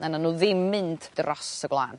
na nawn n'w ddim mynd dros y gwlan.